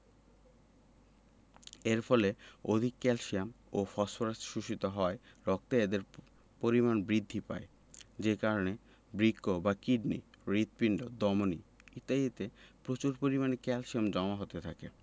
vitamin D শরীরে calcium শোষণ করতে সাহায্য করে যা হাড় তৈরীর কাজে লাগে ভিটামিন D এর অভাবে শিশুদের রিকেট রোগ হতে পারে দৈনিক চাহিদা থেকে বেশী পরিমাণে ভিটামিন D গ্রহণ করলে শরীরের ক্ষতি হয়